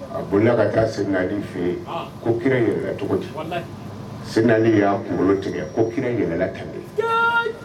A bonya ka taa seginna fɛ yen ko kira yɛlɛ cogodi seginnali y'a kunkolo tigɛ ko kira yɛlɛ kan